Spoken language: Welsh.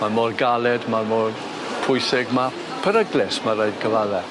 Ma' mor galed ma' mor pwysig ma' peryglus ma' raid cyfadde.